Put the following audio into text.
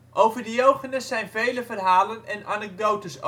Over Diogenes zijn vele verhalen en anekdotes